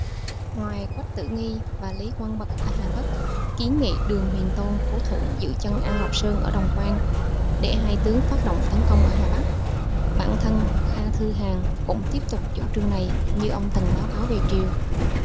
ngoài quách tử nghi và lý quang bật ở hà bắc kiến nghị đường huyền tông cố thủ giữ chân an lộc sơn ở đồng quan để hai tướng phát động tấn công ở hà bắc bản thân kha thư hàn cũng tiếp tục chủ trương này như ông từng báo cáo về triều